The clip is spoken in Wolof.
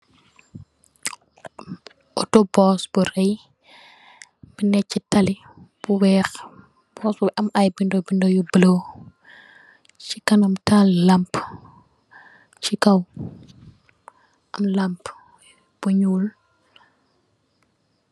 Ooto bos bu reey, be nee si tali, bu weex, bos bi am ay bind-bind yu bulo, ci kanam taal lamp, ci kaw am lamp bu nyuul,